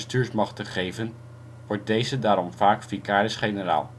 deze daarom vaak vicaris-generaal